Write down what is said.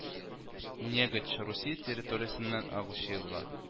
Негочь Русия территориясеннән агучы елга